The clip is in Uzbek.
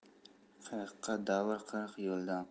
qirqqa davr qirq yo'ldan